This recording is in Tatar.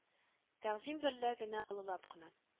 Тәгъзим берлә генә олылап кына